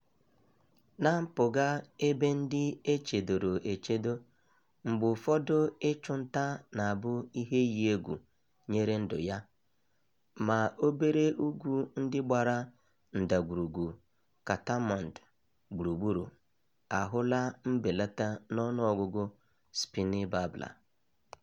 Na mpụga ebe ndị e chedoro echedo, mgbe ụfọdụ ịchụ nta na-abụ ihe iyi egwu nyere ndụ ya, ma obere ugwu ndị gbara Ndagwurugwu Kathmandu gburugburu ahụla mbelata n'ọnụọgụgụ Spiny Babbler.